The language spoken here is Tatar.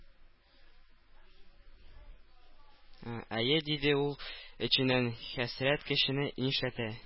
«әйе,— диде ул эченнән,—хәсрәт кешене нишләтә!»